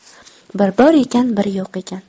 bir bor ekan bir yo'q ekan